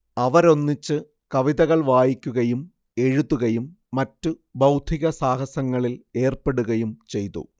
അവരൊന്നിച്ച് കവിതകൾ വായിക്കുകയും എഴുതുകയും മറ്റു ബൗദ്ധിക സാഹസങ്ങളിൽ ഏർപ്പെടുകയും ചെയ്തു